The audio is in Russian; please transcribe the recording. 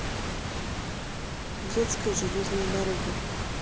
детская железная дорога